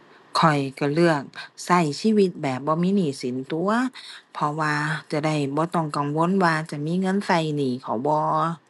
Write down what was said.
ข้อยก็เลือกก็ชีวิตแบบบ่มีหนี้สินตั่ว เพราะว่าจะได้บ่ต้องกังวลว่าจะมีเงินก็หนี้เขาบ่